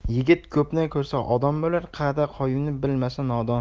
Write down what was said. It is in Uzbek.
yigit ko'pni ko'rsa odam bo'lar qa'da qoyimni bilmasa nodon